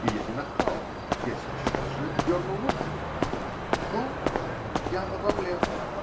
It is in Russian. и я не нахал -- я сейчас же отдернул руку. Потом -- я обомлел.